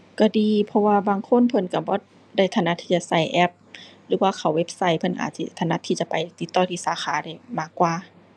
ก็ดี เพราะว่าบางคนเพิ่นก็บ่ได้ถนัดที่จะก็แอป หรือว่าเข้าเว็บไซต์ เพิ่นอาจสิถนัดที่จะไปติดต่อที่สาขาได้มากกว่า